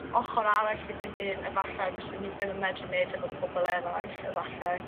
ochor arall i fy hun a falle fyswn i ddim yn medru neud efo pobol eraill, efallai.